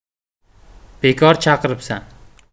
bekor chaqiribsan